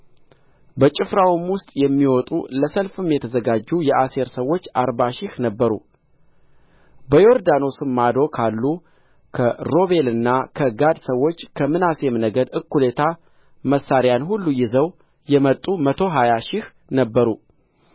በጭፍራውም ውስጥ የሚወጡ ለሰልፍም የተዘጋጁ የአሴር ሰዎች አርባ ሺህ ነበሩ በዮርዳኖስም ማዶ ካሉ ከሮቤልና ከጋድ ሰዎች ከምናሴም ነገድ እኵሌታ መሣሪያን ሁሉ ይዘው የመጡ መቶ ሀያ ሺህ ነበሩ